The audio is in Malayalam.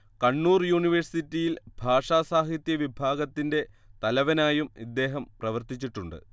കണ്ണൂർ യൂണിവേഴ്സിറ്റിയിൽ ഭാഷാ സാഹിത്യവിഭാഗത്തിന്റെ തലവനായും ഇദ്ദേഹം പ്രവർത്തിച്ചിട്ടുണ്ട്